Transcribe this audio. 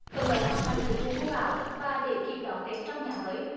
phấn đấu hoàn thành trước mùa mưa bão và để kịp đón tết trong nhà mới